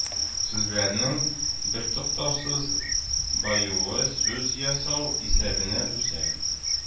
Сүзләрнең бертуктаусыз баюы, сүз ясалу исәбенә үсә»